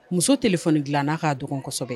Muso téléphone dilanna ka dɔkɔn kosɛbɛ